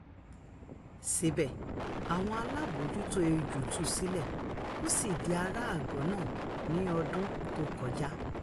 Síbẹ̀, àwọn alábòójútó ijù tú u sílẹ̀, ó sì di aráa àgọ́ náà ní ọdún tó kọjá.